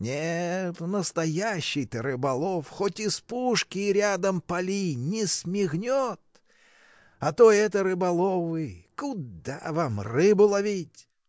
Нет, настоящий-то рыболов, хоть из пушки рядом пали, не смигнет. А то это рыболовы! Куда вам рыбу ловить!